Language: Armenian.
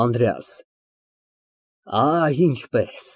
ԱՆԴՐԵԱՍ ֊ Այ ինչպես։